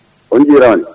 o yiɗira ni